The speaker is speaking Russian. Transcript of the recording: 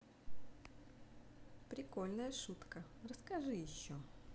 прикольная шутка расскажи еще